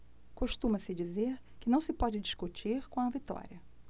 costuma-se dizer que não se pode discutir com a vitória